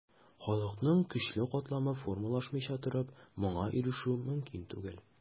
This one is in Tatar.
Халыкның көчле катламы формалашмыйча торып, моңа ирешү мөмкин түгел.